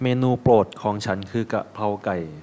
เมนูโปรดของฉันคือกะเพราไก่